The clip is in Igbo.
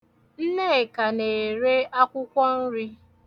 Nneka na-ere akwụkwọ nri.